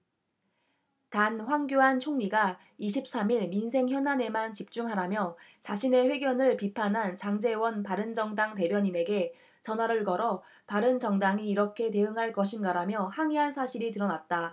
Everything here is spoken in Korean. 단 황교안 총리가 이십 삼 일 민생 현안에만 집중하라며 자신의 회견을 비판한 장제원 바른정당 대변인에게 전화를 걸어 바른정당이 이렇게 대응할 것인가라며 항의한 사실이 드러났다